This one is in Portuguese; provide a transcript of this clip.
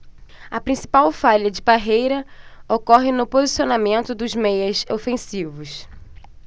a principal falha de parreira ocorre no posicionamento dos dois meias ofensivos